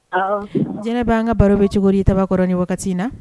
Jinɛ bɛ' an ka baro bɛ cogo i takɔrɔ ni wagati in na